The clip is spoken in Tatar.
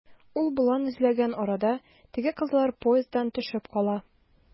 Ул болан эзләгән арада, теге кызлар поезддан төшеп кала.